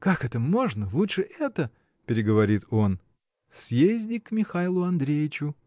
— Как это можно — лучше это, — переговорит он. — Съезди к Михайлу Андреичу.